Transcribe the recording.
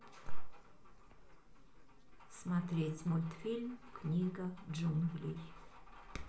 смотреть мультфильм книга джунглей